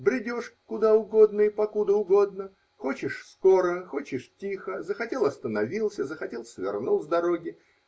Бредешь, куда угодно и покуда угодно, хочешь -- скоро, хочешь -- тихо, захотел -- остановился, захотел -- свернул с дороги.